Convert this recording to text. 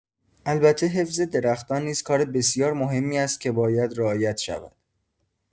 البته حفظ درختان نیز کار بسیار مهمی است که باید رعایت شود.